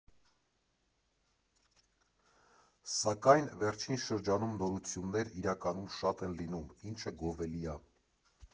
Սակայն վերջին շրջանում նորություններ իրականում շատ են լինում, ինչը գովելի ա։